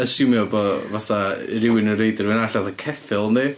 Asiwmio bod fatha, rywun yn reidio rywyn arall fath ceffyl yndi?